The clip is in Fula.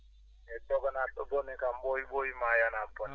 eeyi so taganaɗo bone kam ɓooyi ɓooyi ma yaltu